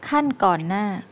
ขั้นก่อนหน้า